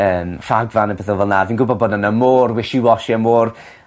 yym rhagfarn a pethe fen 'na fi'n gwbo bo wnna mor wishi washi a mor